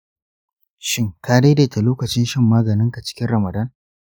shin ka daidaita lokacin shan maganinka cikin ramadan?